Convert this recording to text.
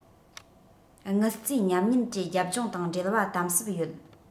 དངུལ རྩའི ཉམས ཉེན གྱི རྒྱབ ལྗོངས དང འབྲེལ བ དམ ཟབ ཡོད